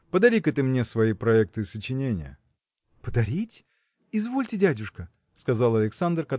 Подари-ка ты мне свои проекты и сочинения!. – Подарить? – извольте дядюшка – сказал Александр